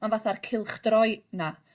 on' fatha'r cylchdroi 'na